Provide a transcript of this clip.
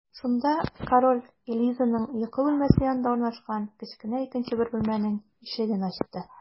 Шунда король Элизаның йокы бүлмәсе янында урнашкан кечкенә икенче бер бүлмәнең ишеген ачкан.